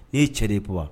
E cɛ de ye bɔ wa